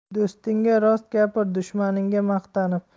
do'stingga rost gapir dushmaningga maqtanib